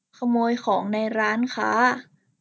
ขโมยของในร้านค้า